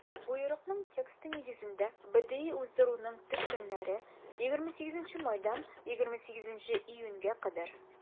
Боерыкның тексты нигезендә, БДИ уздыруның төп көннәре - 28 майдан 20 июньгә кадәр.